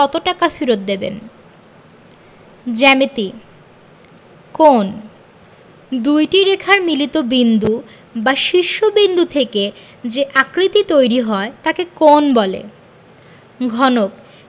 জ্যামিতিঃ কোণঃ দুইটি রেখার মিলিত বিন্দু বা শীর্ষ বিন্দু থেকে যে আকৃতি তৈরি হয় তাকে কোণ বলে ঘনকঃ